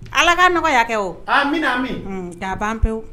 Ala ka nɔgɔya kɛ o amina amin, k'a ban pewu